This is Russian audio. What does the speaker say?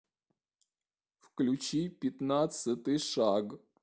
включи пятнадцатый шаг